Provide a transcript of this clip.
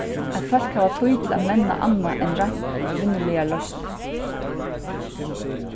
at fólk hava tíð til at menna annað enn reint vinnuligar loysnir